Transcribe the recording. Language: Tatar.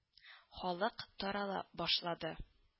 Халык тарала башлады